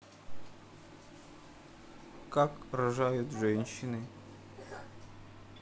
как рожают женщины